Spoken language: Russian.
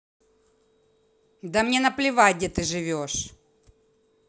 да мне наплевать где ты живешь